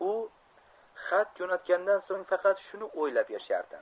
u xat jo'natgandan so'ng faqat shuni o'ylab yashardi